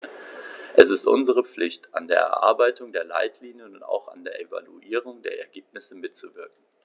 Es ist unsere Pflicht, an der Erarbeitung der Leitlinien und auch an der Evaluierung der Ergebnisse mitzuwirken.